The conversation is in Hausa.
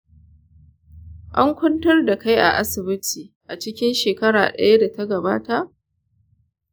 an kwantar da kai a asibiti a cikin shekara ɗaya da ta gabata?